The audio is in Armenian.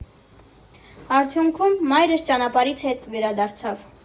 Արդյունքում մայրս ճանապարհից հետ վերադարձավ։